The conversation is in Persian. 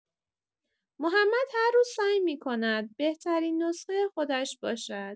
محمد هر روز سعی می‌کند بهترین نسخه خودش باشد.